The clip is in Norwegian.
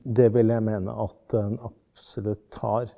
det vil jeg mene at den absolutt har.